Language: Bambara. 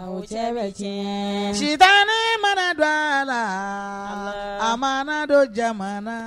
A o cɛ bɛ tiɲɛ, sitanɛ mana don a la, Ala, a ma don jamana